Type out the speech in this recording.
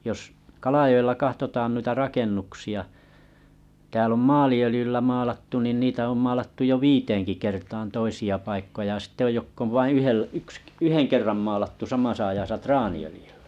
jos Kalajoella katsotaan noita rakennuksia täällä on maaliöljyllä maalattu niin niitä on maalattu jo viiteenkin kertaan toisia paikkoja ja sitten on jotka on vain - yksi yhden kerran maalattu samassa ajassa traaniöljyllä